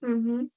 M-hm.